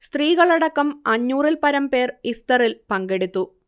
സ്ത്രീകളടക്കം അഞ്ഞൂറിൽ പരം പേർ ഇഫ്തറിൽ പങ്കെടുത്തു